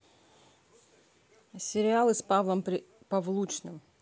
сериалы с павлом павлучным